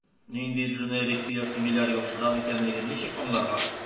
Нинди дженерик/биосимиляр яхшырак икәнлеген ничек аңларга?